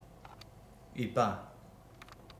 འོས པ